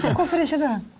hvorfor ikke det?